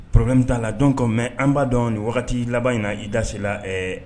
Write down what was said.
Porome taa la don kɔ mɛn an b'a dɔn nin wagati laban in na i dasi la ɛ